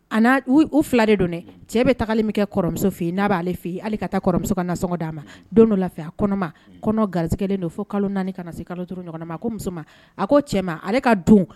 A u fila de don cɛ bɛ tagali min kɛ kɔrɔmuso fɛ yen n'a b'ale fɛ yen ale ka taamuso ka na sogɔ d'a ma don dɔ lafiya kɔnɔma kɔnɔ gari don fo kalo naani kana na se kalo ɲɔgɔn ma ko muso a ko cɛ ale ka don